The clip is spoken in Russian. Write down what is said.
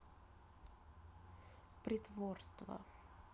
притворство